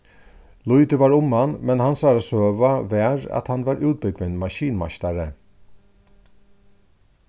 lítið var um hann men hansara søga var at hann var útbúgvin maskinmeistari